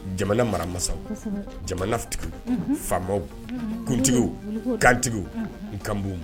Jamana maramasaw jamanatigiw faamaw kuntigiw kantigiw kan